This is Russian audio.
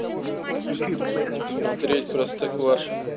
смотреть простоквашино